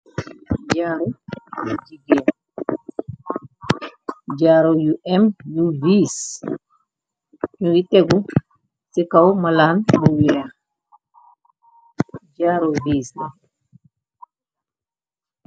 Jaaru yu jigeen, jaaru yu em yu wees, ñu ngi tegu si kaw malaan bu weex, jaaru wees la.